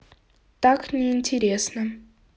так неинтересно